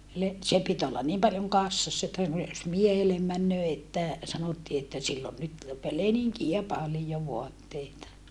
se piti olla niin paljon kassassa että noin jos miehelle menee että sanottiin että sillä on nyt - leninkejä paljon vaatteita